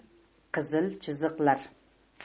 qizil chiziqlar